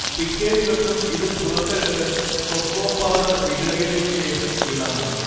പിറ്റേദിവസം ഇത് പുറത്തെടുത്ത് കൊക്കോ പൗഡർ വിതറിയതിനു ശേഷം വിളമ്പാം